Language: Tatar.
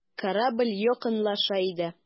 Корабль якынлаша иде.